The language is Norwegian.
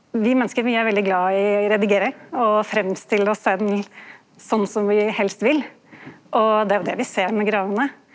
vi menneske vi er veldig glad i å redigere og framstille oss sjølve sånn som vi helst vil og det er jo det vi ser med grava.